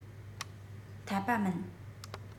འཐད པ མིན